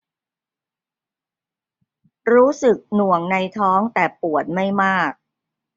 รู้สึกหน่วงในท้องแต่ปวดไม่มาก